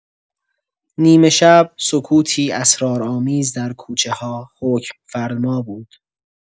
نیمه‌شب سکوتی اسرارآمیز در کوچه‌ها حکم‌فرما بود.